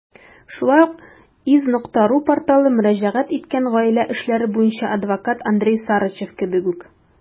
Шулай ук iz.ru порталы мөрәҗәгать иткән гаилә эшләре буенча адвокат Андрей Сарычев кебек үк.